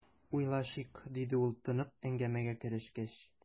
"уйлашыйк", - диде ул, тынып, әңгәмәгә керешкәч.